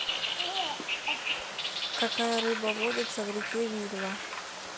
какая рыба водится в реке вильва